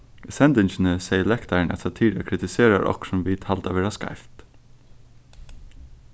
í sendingini segði lektarin at satira kritiserar okkurt sum vit halda vera skeivt